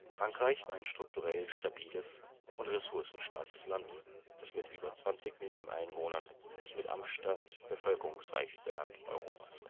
Frankreich war ein strukturell stabiles und ressourcenstarkes Land, das mit über 20 Millionen Einwohnern das mit Abstand bevölkerungsreichste Land Europas